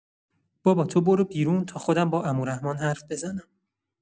بابا تو برو بیرون تا خودم با عمو رحمان حرف بزنم.